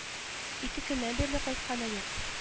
Ике көннән бирле кайтканы юк